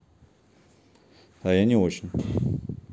а я не очень